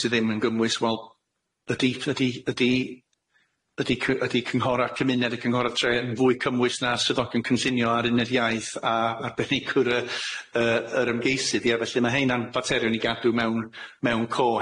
sy ddim yn gymwys wel ydi ydi ydi ydi cy- ydi cynghora' cymuned y cynghora' tre yn fwy cymwys na syddogion cynllunio ar uned iaith a arbenigwr yy yr ymgeisydd ie felly ma' heina'n faterion i gadw mewn mewn co